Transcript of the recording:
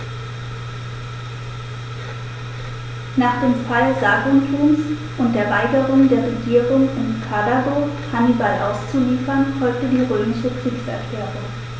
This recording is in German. Nach dem Fall Saguntums und der Weigerung der Regierung in Karthago, Hannibal auszuliefern, folgte die römische Kriegserklärung.